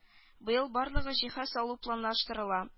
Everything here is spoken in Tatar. Быел барлыгы җиһаз алу планлаштырыла